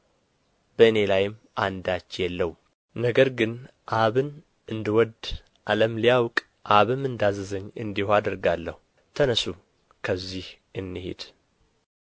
በእኔ ላይም አንዳች የለውም ነገር ግን አብን እንድወድ ዓለም ሊያውቅ አብም እንዳዘዘኝ እንዲሁ አደርጋለሁ ተነሡ ከዚህ እንሂድ